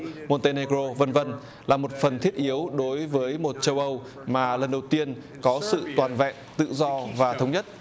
vê môn tê nê gờ rô vân vân là một phần thiết yếu đối với một châu âu mà lần đầu tiên có sự toàn vẹn tự do và thống nhất